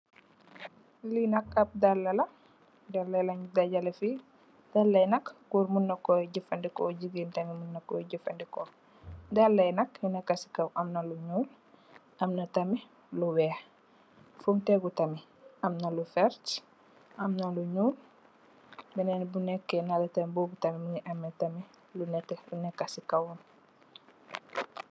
Li nak ab daal la, daal la lan dajèlè fi, daala yi nak gòor mun nako jafadeko, jigéen tamit mun na ko jafadeko. Daal la yi nak yu nekka ci kaw amna lu ñuul, amna tamit lu weeh. fum tégu tamit amna lu vert, amna lu ñuul, benen bu nekkè nalè tamit bo bu tamit mungi ameh tamit lu nètè lu nekka ci kawam.